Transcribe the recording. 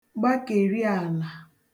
gbakèri àlà